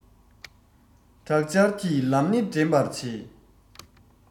དྲག ཆར གྱི ལམ སྣེ འདྲེན པར བྱེད